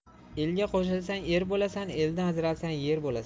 elga qo'shilsang er bo'lasan eldan ajralsang yer bo'lasan